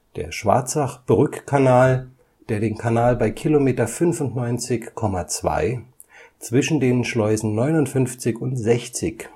Der Schwarzach-Brückkanal, der den Kanal bei km 95,2 zwischen den Schleusen 59 und 60